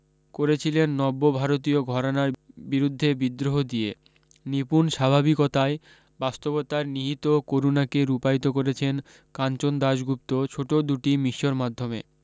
করেছিলেন নব্য ভারতীয় ঘরানার বিরুদ্ধে বিদ্রোহ দিয়ে নিপুণ স্বাভাবিকতায় বাস্তবতার নিহিত করুণাকে রূপায়িত করেছেন কাঞ্চন দাশগুপ্ত ছোট দুটি মিশর মাধ্যমে